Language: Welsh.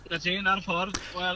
'Na ti, 'na'r ffordd, wel...